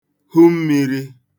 hu mmīrī